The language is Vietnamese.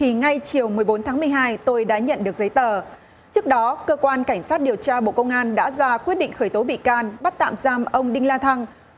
thì ngay chiều mười bốn tháng mười hai tôi đã nhận được giấy tờ trước đó cơ quan cảnh sát điều tra bộ công an đã ra quyết định khởi tố bị can bắt tạm giam ông đinh la thăng